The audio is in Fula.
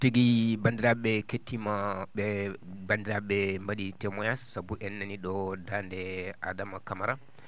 tigi banndiraa?e kettima ?e banndiraa?e ?e mba?ii témoignage sabu en nanii ?o daande Adama Camara